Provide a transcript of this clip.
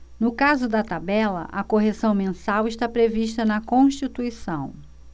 no caso da tabela a correção mensal está prevista na constituição